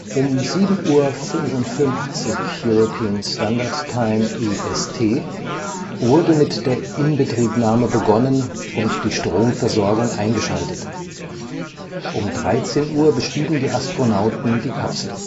Um 7:55 Uhr EST wurde mit der Inbetriebnahme begonnen und die Stromversorgung eingeschaltet. Um 13:00 Uhr bestiegen die Astronauten die Kapsel